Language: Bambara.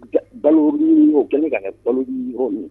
Balo' kɛlen ka kɛ balo yɔrɔ min